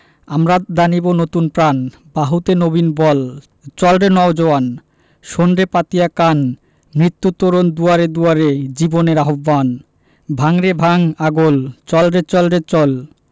আমরা দানিব নতুন প্রাণ বাহুতে নবীন বল চল রে নও জোয়ান শোন রে পাতিয়া কান মৃত্যু তরণ দুয়ারে দুয়ারে জীবনের আহবান ভাঙ রে ভাঙ আগল চল রে চল রে চল